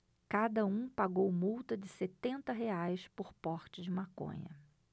cada um pagou multa de setenta reais por porte de maconha